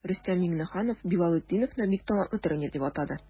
Рөстәм Миңнеханов Билалетдиновны бик талантлы тренер дип атады.